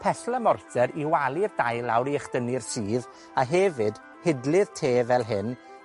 pesl a morter i walu'r dail lawr, i echdynnu'r sudd, a hefyd, hidlydd te fel hyn,